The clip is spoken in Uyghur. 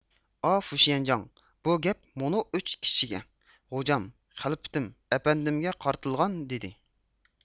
ئا فۇشيەنجاڭ بۇ گەپ مۇنۇ ئۈچ كىشىگە غوجام خەلپىتىم ئەپەندىمگە قارىتىلغان دىدى